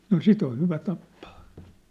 no sitten on hyvä tappaa